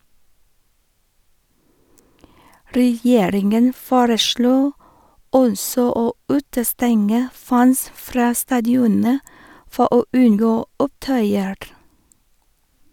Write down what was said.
Regjeringen foreslår også å utestenge fans fra stadioner for å unngå opptøyer.